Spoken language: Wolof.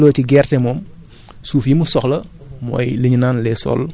moom ay exigence am bariwul mais bu delloo ci gerte moom suuf yi mu soxla